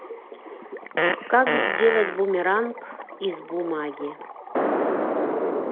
как сделать бумеранг из бумаги